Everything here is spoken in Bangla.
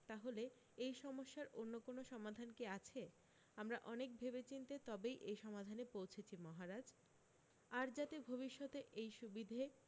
তাহলে এই সমস্যার কোনো অন্য সমাধান কী আছে আমরা অনেক ভেবেচিন্তে তবেই এই সমাধানে পৌঁছেছি মহারাজ আর যাতে ভবিষ্যতে এই সুবিধে